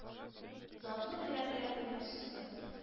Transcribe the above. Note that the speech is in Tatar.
Затлы келәмгә кулым суздым